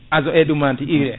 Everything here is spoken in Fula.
azote e ɗumanti urée